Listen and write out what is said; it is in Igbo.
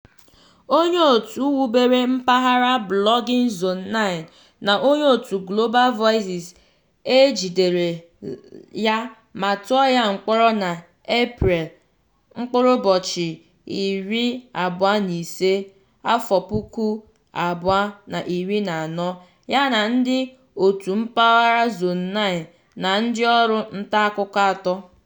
Onyeòtù wubere mpaghara blogging Zone9 na onyeòtù Global Voices, e jidere ya ma tụọ ya mkpọrọ n'Eprel 25, 2014 yana ndị òtù mpaghara Zone9 na ndịọrụ ntaakụkọ atọ.